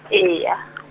e ya .